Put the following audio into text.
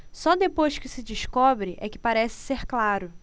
só depois que se descobre é que parece ser claro